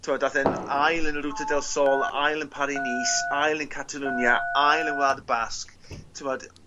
t'wod daeth e'n ail yn y Routa del Sol ail yn Paris Nice ail yn Catalwnia ail yn Wlad y Basg. t'mod